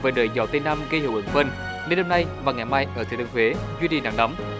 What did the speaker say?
với đới gió tây nam gây hiệu ứng phơn nên đêm nay và ngày mai ở thừa thiên huế duy trì nắng nóng